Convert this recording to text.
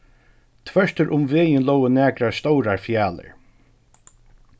tvørtur um vegin lógu nakrar stórar fjalir